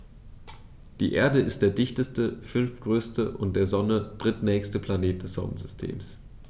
Die Erde ist der dichteste, fünftgrößte und der Sonne drittnächste Planet des Sonnensystems.